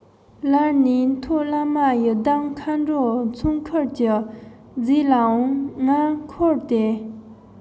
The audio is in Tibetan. ལར ནས མཐོ བླ མ ཡི དམ མཁའ འགྲོའི ཚོགས འཁོར གྱི རྫས ལའང ང འཁོར སྟེ